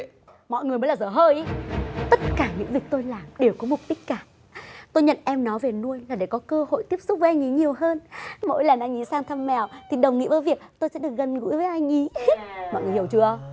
mọi người mới là dở hơi ý tất cả những việc tôi làm đều có mục đích cả tôi nhận em nó về nuôi là để có cơ hội tiếp xúc với anh ý nhiều hơn mỗi lần anh ý sang thăm mèo thì đồng nghĩa với việc tôi sẽ được gần gũi với anh ý hí mọi người hiểu chưa